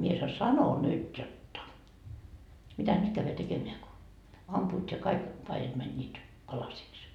minä sanoin sanoin nyt jotta mitä nyt käydä tekemään kun ampuvat ja kaikki paidat menivät palasiksi